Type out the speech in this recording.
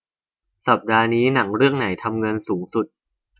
สัปดาห์นี้หนังเรื่องไหนทำเงินสูงสุด